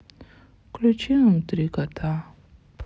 включи нам три кота